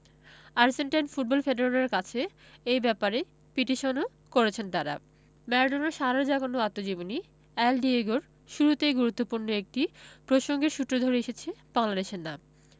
Argentine football ফেডারেনের কাছে এ ব্যাপারে পিটিশনও করেছেন তাঁরা ম্যারাডোনার সাড়া জাগানো আত্মজীবনী এল ডিয়েগো র শুরুতেই গুরুত্বপূর্ণ একটা প্রসঙ্গের সূত্র ধরে এসেছে বাংলাদেশের নাম